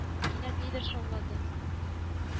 Кинәт нидер шаулады